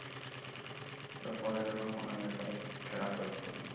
goh bolaga goh onamga qarab karaxt bo'lib qoldim